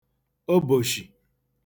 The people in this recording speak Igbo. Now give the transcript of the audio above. obòshì